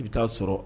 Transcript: I bɛ taa sɔrɔ